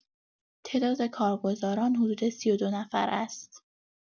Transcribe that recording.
تعداد کارگزاران حدود ۳۲ نفر است؛